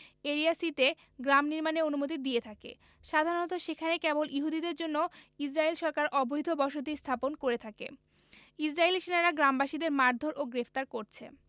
area C তে গ্রাম নির্মাণের অনুমতি দিয়ে থাকে সাধারণত সেখানে কেবল ইহুদিদের জন্য ইসরাইল সরকার অবৈধ বসতি স্থাপন করে থাকে ইসরাইলী সেনারা গ্রামবাসীদের মারধোর ও গ্রেফতার করছে